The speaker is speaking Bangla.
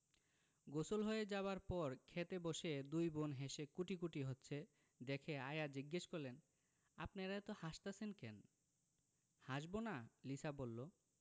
গোসল হয়ে যাবার পর খেতে বসে দুই বোন হেসে কুটিকুটি হচ্ছে দেখে আয়া জিজ্ঞেস করলেন আপনেরা এত হাসতাসেন ক্যান হাসবোনা লিসা বললো